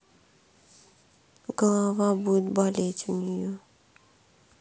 голова будет болеть у нее